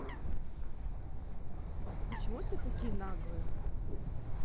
почему все таки наглые